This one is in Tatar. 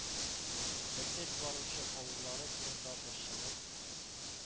Бетеп баручы авыллары турында борчылып,